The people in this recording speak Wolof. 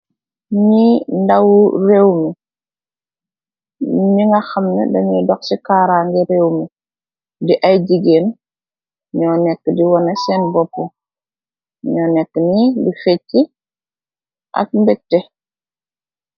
Nyi ndaw wi rewmi nyuy dokh si karani rewmi di aye jigeen nyu neka di waneh sen bopu nyu neka ni di fecheh ak mbektel